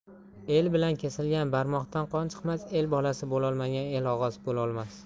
el bilan kesilgan barmoqdan qon chiqmas el bolasi bo'lolmagan el og'asi bo'lolmas